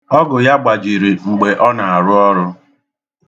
Ọgụ ya gbajiri mgbe ọ na-aru ọrụ.